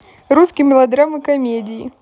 русские мелодрамы комедии